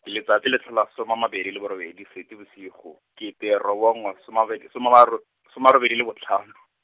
letsatsi le tlhola soma a mabedi le borobedi Seetebosigo, kete robongwe soma abedi- soma a ma- ro-, soma a robedi le botlhano.